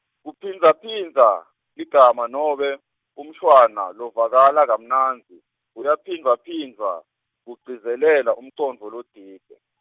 kuphindzaphindza, ligama nobe umshwana lovakala kamnandzi, uyaphindvwaphindvwa, kugcizelela umcondvo lotsite.